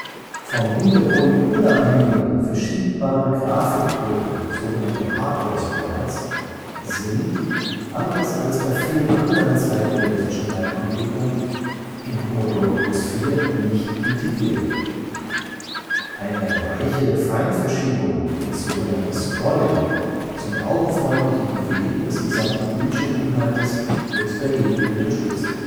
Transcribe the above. Vom Hintergrund unabhängige verschiebbare Grafikblöcke (Hardware-Sprites) sind, anders als bei vielen anderen zeitgenössischen Heimcomputern, im Commodore Plus/4 nicht integriert. Eine weiche Feinverschiebung (Scrolling) zum augenfreundlichen Bewegen des gesamten Bildschirminhaltes wird dagegen unterstützt